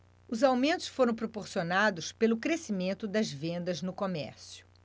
os aumentos foram proporcionados pelo crescimento das vendas no comércio